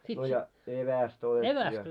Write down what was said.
no ja evästä otettiin ja